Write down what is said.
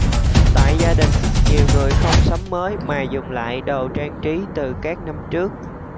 tại gia đình nhiều người không sắm mới mà dùng lại đồ trang trí từ các năm trước